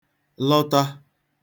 lọta